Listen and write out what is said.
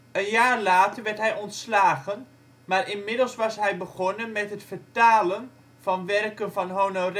Een jaar later werd hij ontslagen, maar inmiddels was hij begonnen met het vertalen van werken van Honoré